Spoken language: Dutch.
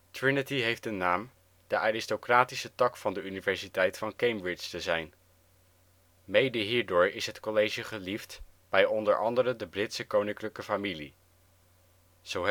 Trinity heeft de naam de aristocratische tak van de universiteit van Cambridge te zijn. Mede hierdoor is het college geliefd bij onder andere de Britse koninklijke familie. Zo